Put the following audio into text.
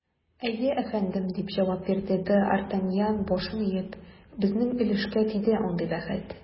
Әйе, әфәндем, - дип җавап бирде д’Артаньян, башын иеп, - безнең өлешкә тиде андый бәхет.